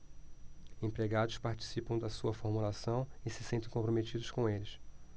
empregados participam da sua formulação e se sentem comprometidos com eles